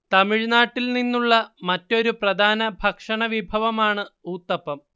തമിഴ്നാട്ടിൽ നിന്നുള്ള മറ്റൊരു പ്രധാന ഭക്ഷണവിഭവമാണ് ഊത്തപ്പം